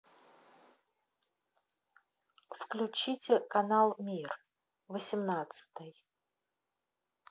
включите канал мир восемнадцатый